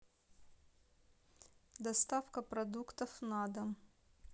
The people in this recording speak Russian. доставка продуктов на дом